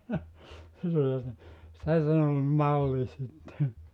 se sen oli malli sitten